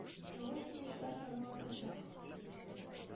Тавыш бирүчеләр саны артачак,